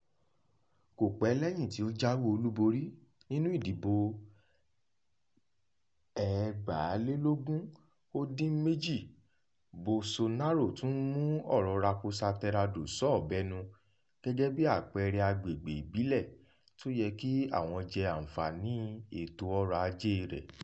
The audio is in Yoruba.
Kò pẹ́ lẹ́yìn tí ó jáwé olúborí nínú ìdìbò 2018, Bolsonaro tún mú ọ̀rọ̀ Raposa Terra do Sol bọnu gẹ́gẹ́ bí àpẹẹrẹ agbègbè ìbílẹ̀ tí ó yẹ kí àwọn jẹ àǹfààní ètò ọrọ̀-ajée rẹ̀.